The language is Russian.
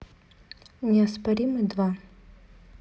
неоспоримый два